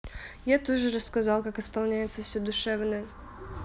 я тоже рассказал как исполняется все душевно